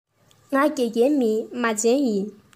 ང དགེ རྒན མིན མ བྱན ཡིན